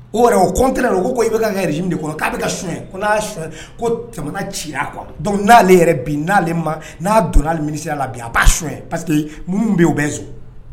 O yɛrɛ o kot don ko i bɛ ka de kɔnɔ k' a bɛ ka sun ko na ko ci a kɔnɔ dɔnku n'ale yɛrɛ n'ale ma n'a donna mini la bi a ba son pa minnu bɛ u bɛ so